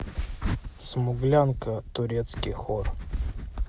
смуглянка турецкий хор